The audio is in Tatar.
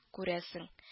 Күрәсең